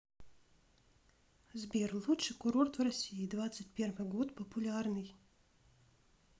сбер лучший курорт в россии двадцать первый год популярный